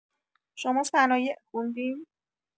شما صنایع خوندین؟